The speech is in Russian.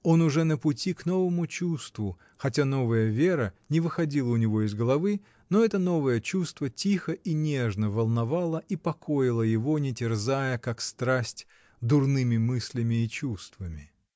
Он уже на пути к новому чувству, хотя новая Вера не выходила у него из головы, но это новое чувство тихо и нежно волновало и покоило его, не терзая, как страсть, дурными мыслями и чувствами.